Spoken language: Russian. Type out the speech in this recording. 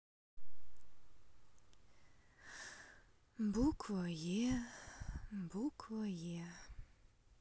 буква е буква е